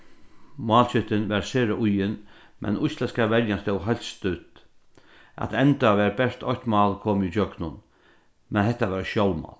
málskjúttin var sera íðin men íslendska verjan stóð heilt stútt at enda var bert eitt mál komið ígjøgnum men hetta var eitt sjálvmál